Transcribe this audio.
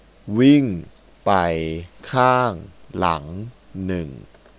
วิ่งไปข้างหลังหนึ่ง